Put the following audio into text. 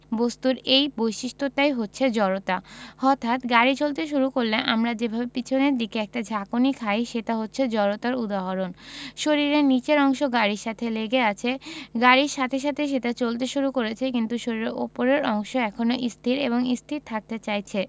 বস্তুর এই বৈশিষ্ট্যটাই হচ্ছে জড়তা হঠাৎ গাড়ি চলতে শুরু করলে আমরা যেভাবে পেছনের দিকে একটা ঝাঁকুনি খাই সেটা হচ্ছে জড়তার উদাহরণ শরীরের নিচের অংশ গাড়ির সাথে লেগে আছে গাড়ির সাথে সাথে সেটা চলতে শুরু করেছে কিন্তু শরীরের ওপরের অংশ এখনো স্থির এবং স্থির থাকতে চাইছে